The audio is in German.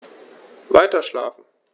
Weiterschlafen.